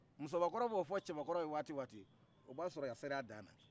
musobakɔrɔ b'o fɔ cɛbakɔrɔ ye waati o waati o b'a sɔrɔ a sera a dan na